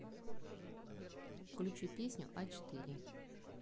включи песню а четыре